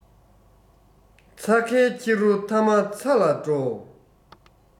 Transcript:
ཚྭ ཁའི ཁྱི རོ མཐའ མ ཚྭ ལ འགྲོ